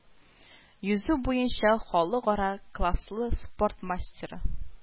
Йөзү буенча халыкара класслы спорт мастеры